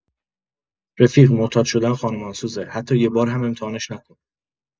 رفیق، معتاد شدن خانمانسوزه، حتی یه بار هم امتحانش نکن!